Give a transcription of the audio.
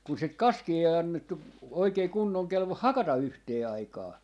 kun sitä kaskea ei annettu oikein kunnon kelvon hakata yhteen aikaan